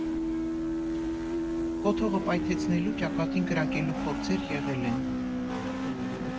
Կոթողը պայթեցնելու, ճակատին կրակելու փորձեր եղել են։